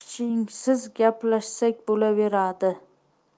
pichingsiz gaplashsak bo'laveradi